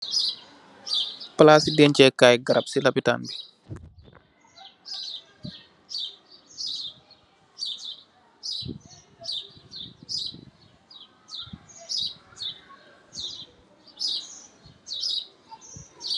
Palasi denci Kai garap ci lopitan bi.